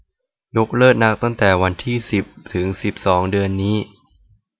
ยกเลิกนัดตั้งแต่วันที่สิบถึงสิบสองเดือนนี้